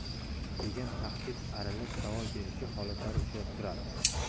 degan tahdid aralash savol berishi holatlari uchrab turadi